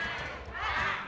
ba